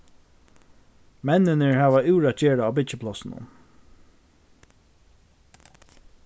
menninir hava úr at gera á byggiplássinum